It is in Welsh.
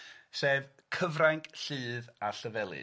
sef cyfrainc Lludd a Llefelys.